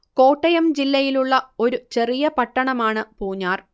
കോട്ടയം ജില്ലയിലുള്ള ഒരു ചെറിയ പട്ടണമാണ് പൂഞ്ഞാർ